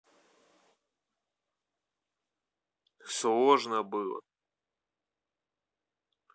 сложно было